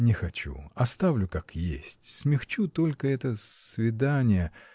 Не хочу, оставлю, как есть: смягчу только это свидание.